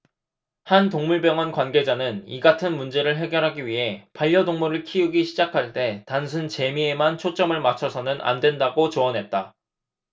한 동물병원 관계자는 이같은 문제를 해결하기 위해 반려동물을 키우기 시작할 때 단순 재미에만 초점을 맞춰서는 안된다고 조언했다